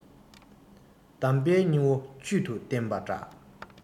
གདམས པའི སྙིང བོ བཅུད དུ བསྟེན པ འདྲ